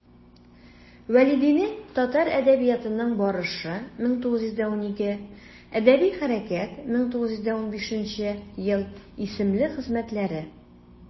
Вәлидинең «Татар әдәбиятының барышы» (1912), «Әдәби хәрәкәт» (1915) исемле хезмәтләре.